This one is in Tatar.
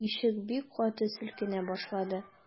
Ишек бик каты селкенә башлады.